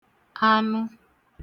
anụ